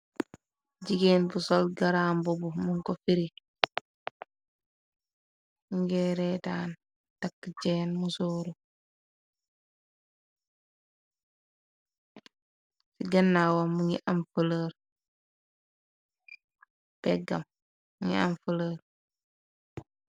Jigéen bu sol garaam bo bu mun ko firi ngireetaan takk jeen mu sooru ci gannawam peggamngi am fëlër.